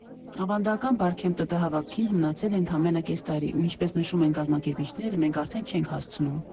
Ավանդական Բարքեմփ ՏՏ֊հավաքին մնացել է ընդամենը կես տարի ու, ինչպես նշում են կազմակերպիչները, «մենք արդեն չե՜նք հասցնում»։